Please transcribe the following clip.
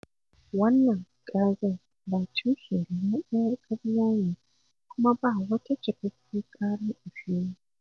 Wannan ƙagen ba tushe gaba ɗaya ƙarya ne kuma ba wata cikakkiyar ƙara a fili."